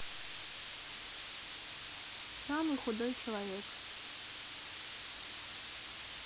самый худой человек